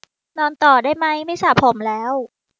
นอนต่อได้ไหมไม่สระผมแล้ว